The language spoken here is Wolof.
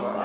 waaw